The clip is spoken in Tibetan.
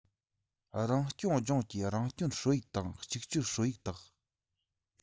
རང སྐྱོང ལྗོངས ཀྱི རང སྐྱོང སྲོལ ཡིག དང གཅིག སྤྱོད སྲོལ ཡིག དག